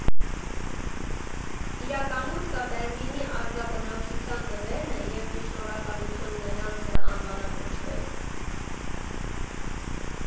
Իրականում սա Բեռլինի ազգաբնակչության նվերն է և ի շնորհակալություն նրանց է անվանակոչվել։